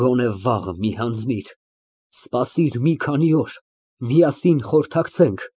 Գոնե վաղը մի հանձնիր։ Սպասիր մի քանի օր, միասին կխորհրդակցենք։